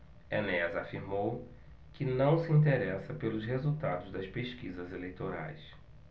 enéas afirmou que não se interessa pelos resultados das pesquisas eleitorais